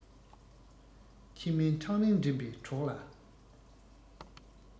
ཕྱི མའི འཕྲང རིང འགྲིམ པའི གྲོགས ལ